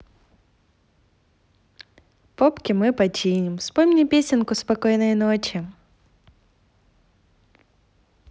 попки мы починим спой мне песенку спокойной ночи